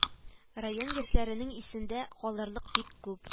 Район яшьләренең исендә калырлык бик күп